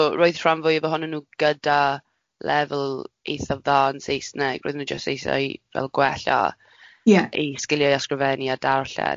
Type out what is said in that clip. So roedd rhan fwyaf ohonyn nhw gyda lefel eithaf dda yn Saesneg, roedden nhw jyst eisiau i fel gwella... Ie. ...eu sgiliau i ysgrifennu a darllen.